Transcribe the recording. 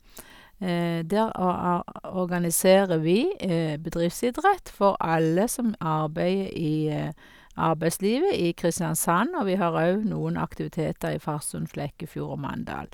Der o a organiserer vi bedriftsidrett for alle som arbeider i arbeidslivet i Kristiansand, og vi har òg noen aktiviteter i Farsund, Flekkefjord og Mandal.